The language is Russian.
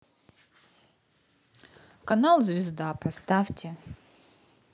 канал звезда поставьте